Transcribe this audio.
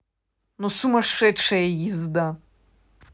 ну сумасшедшая езда